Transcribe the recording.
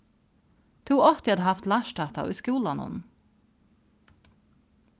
tú átti at havt lært hatta í skúlanum